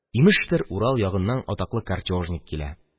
Имештер, Урал ягыннан атаклы картёжник килә.